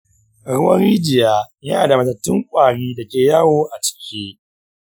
ruwan rijiya yana da matattun ƙwari dake yawo a ciki.